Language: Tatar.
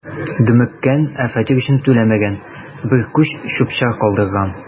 „дөмеккән, ә фатир өчен түләмәгән, бер күч чүп-чар калдырган“.